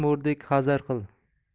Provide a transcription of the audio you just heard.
mo'rdek hazar qil